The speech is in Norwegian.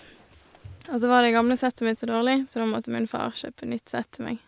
Og så var det gamle settet mitt så dårlig, så da måtte min far kjøpe nytt sett til meg.